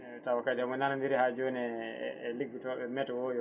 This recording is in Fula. eyyi taw kadi omo nanodiri ha joni e liggotoɓe e météo